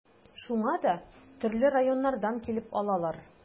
Шуңа да төрле районнардан килеп алалар.